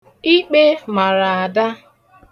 Ikpe mara Ada.